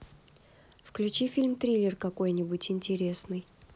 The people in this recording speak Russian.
включи фильм триллер какой нибудь интересный